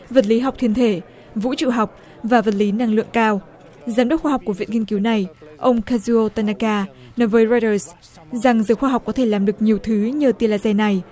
vật lý học thiên thể vũ trụ học và vật lý năng lượng cao giám đốc khoa học của viện nghiên cứu này ông ka ru ô ta na ka nói với roi giờ rằng giới khoa học có thể làm được nhiều thứ nhờ tia la re này